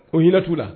O ɲɛna t'u la